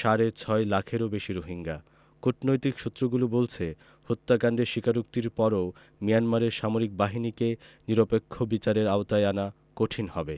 সাড়ে ছয় লাখেরও বেশি রোহিঙ্গা কূটনৈতিক সূত্রগুলো বলছে হত্যাকাণ্ডের স্বীকারোক্তির পরও মিয়ানমারের সামরিক বাহিনীকে নিরপেক্ষ বিচারের আওতায় আনা কঠিন হবে